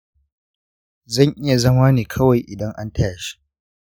zai iya zama ne kawai idan an taya shi